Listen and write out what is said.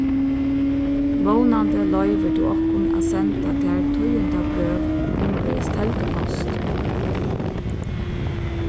vónandi loyvir tú okkum at senda tær tíðindabrøv umvegis teldupost